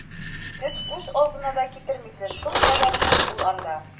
Сез күз алдына да китермисез, шулкадәр күп ул анда!